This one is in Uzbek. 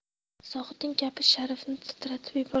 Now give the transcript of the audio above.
zohidning gapi sharifni titratib yubordi